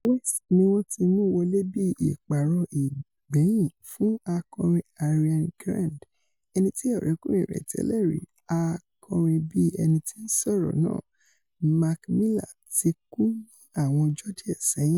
West ni wọ́n ti mú wọlé bí ìpààrọ̀ ìgbẹ̀yìn fún akọrin Arian Grande, ẹnití ọ̀rẹ́kùnrin rẹ̀ tẹ́lẹ̀rí, akọrinbíẹ̵nití-ńsọ̀rọ̀ náà Mac Miller ti kú ní àwọn ọjọ́ díẹ̀ sẹ́yìn.